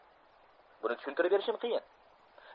buni tushuntirib berishim qiyin